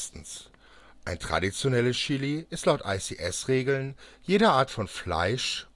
Ein Traditionelles Chili ist laut ICS-Regeln jede Art von Fleisch